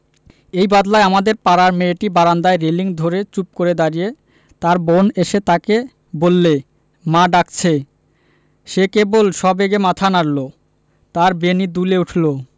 এই বাদলায় আমাদের পাড়ার মেয়েটি বারান্দায় রেলিঙ ধরে চুপ করে দাঁড়িয়ে তার বোন এসে তাকে বললে মা ডাকছে সে কেবল সবেগে মাথা নাড়ল তার বেণী দুলে উঠল